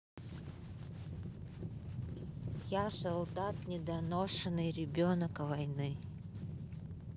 я солдат недоношенный ребенок войны